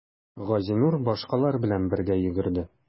Газинур башкалар белән бергә йөгерде.